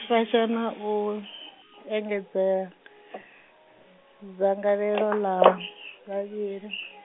-fasha na u, engedza , dzangalelo ḽa, vhavhili.